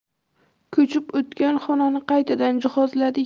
ko'chib o'tgach xonani qaytadan jihozladik